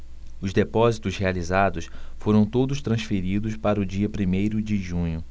os depósitos realizados foram todos transferidos para o dia primeiro de junho